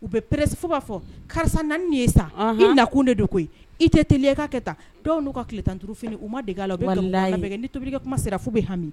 U bɛ pɛfu b'a fɔ karisa naani ye sa nakun de de ko i tɛ telika kɛ taa dɔw'u ka ki tile tan duuruuru fini u ma dege la la ni tobilikɛ kuma sira'u bɛ hami